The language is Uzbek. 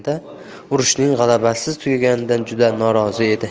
qaraganda urushning g'alabasiz tugaganidan juda norozi edi